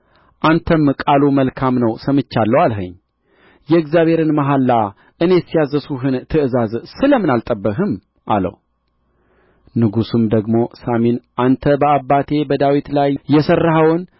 አንተም ቃሉ መልካም ነው ሰምቻለሁ አልኸኝ የእግዚአብሔርን መሐላ እኔስ ያዘዝሁህን ትእዛዝ ስለ ምን አልጠበቅህም አለው ንጉሡም ደግሞ ሳሚን አንተ በአባቴ በዳዊት ላይ የሠራኸውን